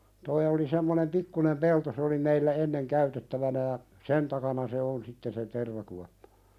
tuo oli semmoinen pikkunen pelto se oli meillä ennen käytettävänä ja sen takana se on sitten se tervakuoppa